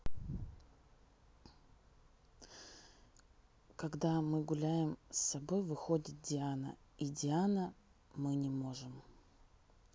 когда мы гуляем собой выходит диана и диана мы не можем